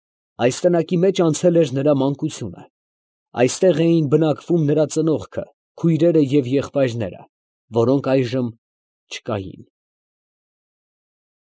Այս տնակի մեջ անցել էր նրա մանկությունը, այստեղ էին բնակվում նրա ծնողքը, քույրերը և եղբայրները, որոնք այժմ չկային…։